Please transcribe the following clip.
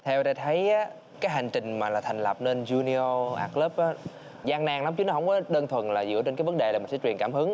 theo tôi thấy á cái hành trình mà thành lập nên du ni ô ác lấp á gian nan lắm chứ nó hổng chứ đơn thuần là dựa trên cái vấn đề là mình sẽ truyền cảm hứng